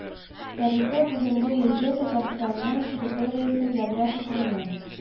Тарихы, бүгенге йөзе, татарстанның территориясе, географик урыны,